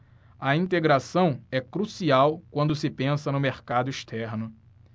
a integração é crucial quando se pensa no mercado externo